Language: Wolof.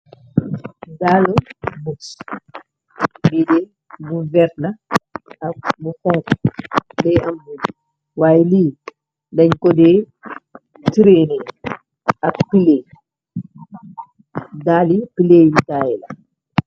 daala bus bde bu verna a bu xonk be ambu waaye lii dañ kodee trene ak daali pley l taay la